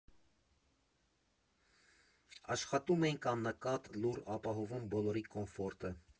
Աշխատում էինք աննկատ, լուռ, ապահովում բոլորի կոմֆորտը։